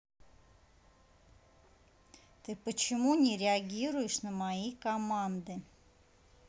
ты почему не реагируешь на мои команды